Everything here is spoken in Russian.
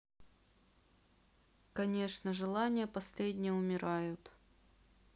конечно желание последнее умирают